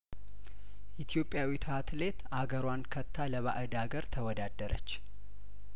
ኢትዮጵያዊቷ አትሌት አገሯን ከድታ ለባእድ አገር ተወዳደረች